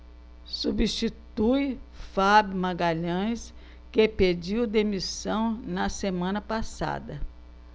substitui fábio magalhães que pediu demissão na semana passada